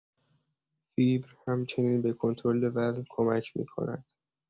فیبر همچنین به کنترل وزن کمک می‌کند.